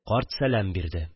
Карт сәләм бирде